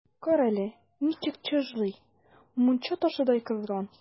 Кара әле, ничек чыжлый, мунча ташыдай кызган!